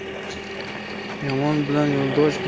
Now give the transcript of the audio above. yomon bilan yo'ldosh